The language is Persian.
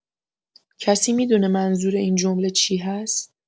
کسی می‌دونه منظور این جمله چی هست؟